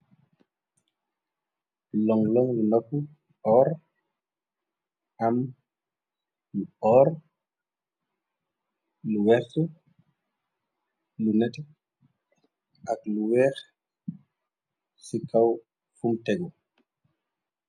Long long nopu orr am yu orr lu wertax lu nete ak lu weex ci kaw fumtegu.